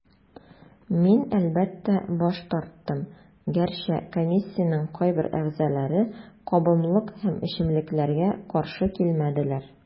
Мин, әлбәттә, баш тарттым, гәрчә комиссиянең кайбер әгъзаләре кабымлык һәм эчемлекләргә каршы килмәделәр.